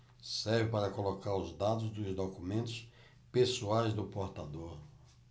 serve para colocar os dados dos documentos pessoais do portador